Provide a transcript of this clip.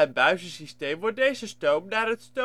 buizensysteem wordt deze stoom naar het